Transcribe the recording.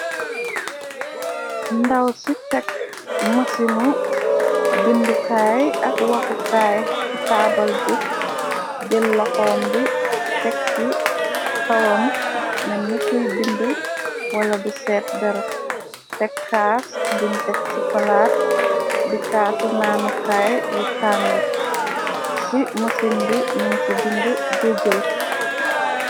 Ndaw ci tekk mësinu bindukaay ak waxukaay ci taabal ji jël loxoom bi tekki kawam ne nikuy bind wala bi seet dera tekk kaas buñ tekk ci palaat di kaasu naanukaay wu tang ci mësin bi nyung ci bindi google.